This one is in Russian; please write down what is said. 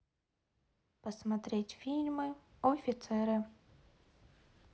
посмотреть фильм офицеры